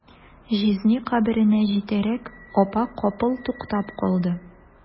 Җизни каберенә җитәрәк, апа капыл туктап калды.